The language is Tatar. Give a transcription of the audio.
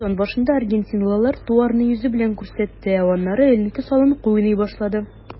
Сезон башында аргентинлылар тауарны йөзе белән күрсәтте, ә аннары эленке-салынкы уйный башлады.